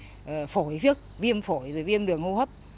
ờ phổi phiếc viêm phổi rồi viêm đường hô hấp